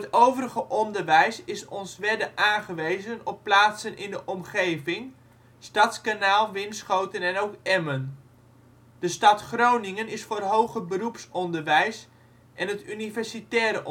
overige onderwijs is Onstwedde aangewezen op plaatsen in de omgeving: Stadskanaal, Winschoten, en ook Emmen. De stad Groningen is voor Hoger Beroeps Onderwijs en het universitaire